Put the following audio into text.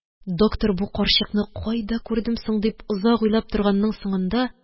Доктор бу карчыкны кайда күрдем соң дип озак уйлап торганның соңында